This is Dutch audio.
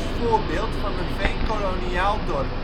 voorbeeld van een veenkoloniaal dorp